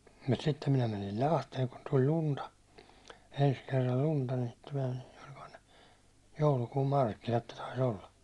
mutta sitten minä menin Lahteen kun tuli lunta ensi kerran lunta niin sitten minä olikohan ne joulukuun markkinat ne taisi olla